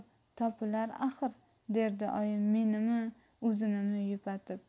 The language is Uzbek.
topilar axir derdi oyim menimi o'zinimi yupatib